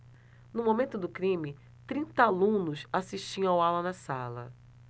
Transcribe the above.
no momento do crime trinta alunos assistiam aula na sala